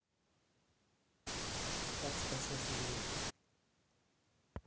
как скачать игру